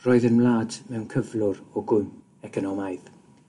Roedd yn wlad mewn cyflwr o gwymp economaidd.